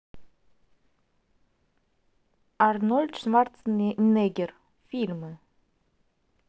арнольд шварценеггер фильмы